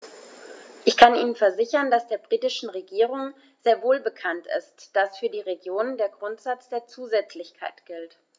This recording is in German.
Ich kann Ihnen versichern, dass der britischen Regierung sehr wohl bekannt ist, dass für die Regionen der Grundsatz der Zusätzlichkeit gilt.